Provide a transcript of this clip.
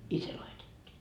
i se laitettiin